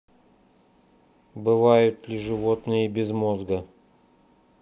бывают ли животные без мозга